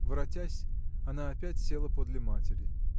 Воротясь, она опять села подле матери.